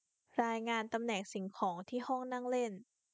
รายงานตำแหน่งสิ่งของที่ห้องนั่งเล่น